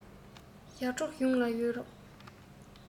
ཡར འབྲོག གཞུང ལ ཡོག རེད